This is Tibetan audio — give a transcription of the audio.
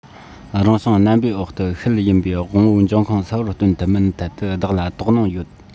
རང བྱུང རྣམ པའི འོག ཏུ ཤུལ ཡིན པའི དབང པོའི འབྱུང ཁུངས གསལ པོར སྟོན ཐུབ མིན ཐད དུ བདག ལ དོགས སྣང ཡོད